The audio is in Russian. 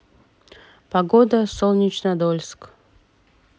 погода солнечнодольск